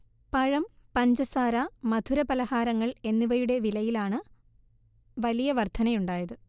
പഴം, പഞ്ചസാര, മധുര പലഹാരങ്ങൾ എന്നിവയുടെ വിലയിലാണ് വലിയ വർധനയുണ്ടായത്